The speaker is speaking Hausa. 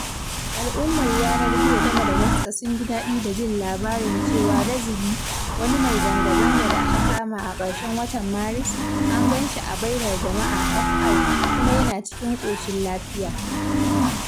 Al’ummar yanar gizo ta Madagascar sun ji daɗi da jin labarin cewa Razily, wani mai zanga-zanga da aka kama a ƙarshen watan Maris, an ganshi a bainar jama’a (fr) kuma yana cikin ƙoshin lafiya.